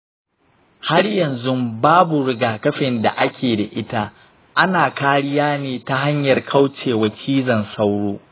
har yanzu babu rigakafin da ake da ita. ana kariya ne ta hanyar kauce wa cizon sauro.